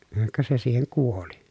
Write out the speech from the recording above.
ka se siihen kuoli